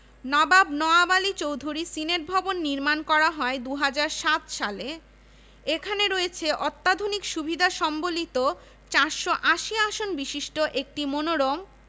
নবাব নওয়াব আলী চৌধুরী সিনেটভবন নির্মাণ করা হয় ২০০৭ সালে এখানে রয়েছে অত্যাধুনিক সুবিধা সম্বলিত ৪৮০ আসন বিশিষ্ট একটি মনোরম